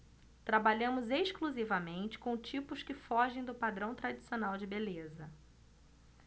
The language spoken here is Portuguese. trabalhamos exclusivamente com tipos que fogem do padrão tradicional de beleza